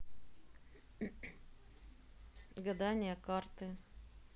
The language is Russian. гадания карты